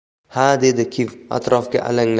ha dedi kiv atrofga